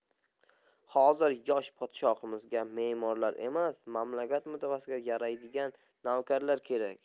hozir yosh podshohimizga memorlar emas mamlakat mudofaasiga yaraydigan navkarlar kerak